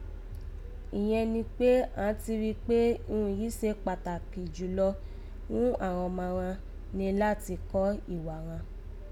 Ìyẹn ni kpé, àán ti wá rí kpé irun